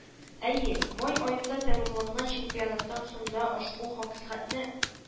Әйе, май аенда тәмамланган чемпионаттан соң да ошбу хакыйкатьне